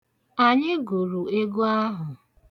Anyị gụrụ egwu ahụ.